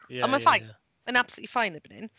Ond mae'n fine. Mae'n absolutely fine erbyn hyn.